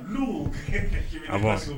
A ma